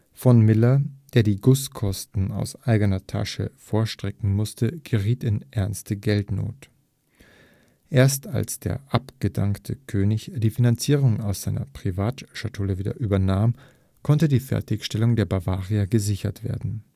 v. Miller, der die Gusskosten aus eigener Tasche vorstrecken musste, geriet in ernste Geldnot. Erst als der abgedankte König die Finanzierung aus seiner Privatschatulle wieder übernahm, konnte die Fertigstellung der Bavaria gesichert werden